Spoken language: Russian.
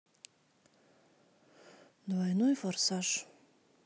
двойной форсаж